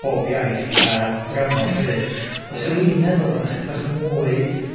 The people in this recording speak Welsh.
bob iaith, a dramor hefyd... Ie. ...ond dwi'n meddwl bo' 'na chydig bach mwy